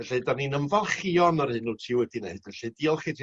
Felly 'dan ni'n ymfalchio yn yr hyn wt ti wedi wneud felly diolch i ti...